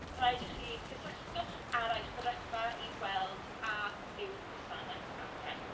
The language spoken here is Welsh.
Rhaid i chi gysylltwch a'r eich fferyllfa i weld a yw'r gwasanaeth ar gael.